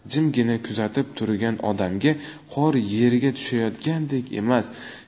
jimgina kuzatib turgan odamga qor yerga tushayotgandek emas